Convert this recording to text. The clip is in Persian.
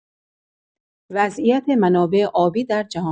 وضعیت منابع آبی در جهان